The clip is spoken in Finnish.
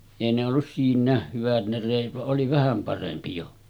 ei ne ollut siinäkään hyvät ne reet vaan oli vähän parempi jo